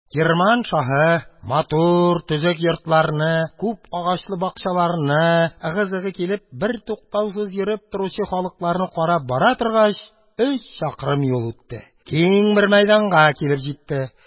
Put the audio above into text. Кирман шаһы матур, төзек йортларны, күп агачлы бакчаларны, ыгы-зыгы килеп бертуктаусыз йөреп торучы халыкларны карап бара торгач, өч чакрым юл үтте, киң бер мәйданга килеп җитте.